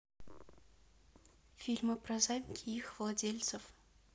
фильмы про замки и их владельцев